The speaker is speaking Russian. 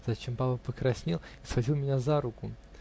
зачем папа покраснел и схватил меня за руку?